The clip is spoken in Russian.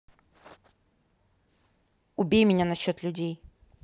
убей меня насчет людей